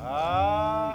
Ahh